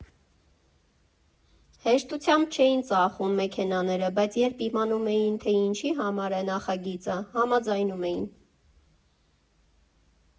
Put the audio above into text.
«Հեշտությամբ չէին ծախում մեքենաները, բայց երբ իմանում էին, թե ինչի համար է նախագիծը, համաձայնում էին։